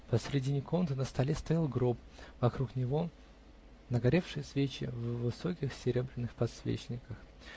Посредине комнаты, на столе, стоял гроб, вокруг него нагоревшие свечи в высоких серебряных подсвечниках